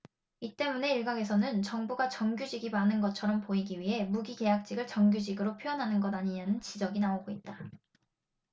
이 때문에 일각에서는 정부가 정규직이 많은 것처럼 보이기 위해 무기계약직을 정규직으로 표현하는 것 아니냐는 지적이 나오고 있다